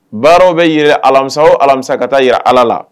Baaraw bɛ yɛrɛ alamisa alamisa ka taa jira ala la